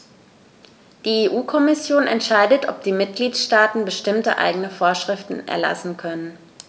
Die EU-Kommission entscheidet, ob die Mitgliedstaaten bestimmte eigene Vorschriften erlassen können.